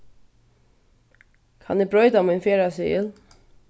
kann eg broyta mín ferðaseðil